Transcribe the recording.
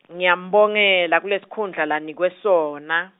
Ngiyambongela kulesikhundla lanikwe sona.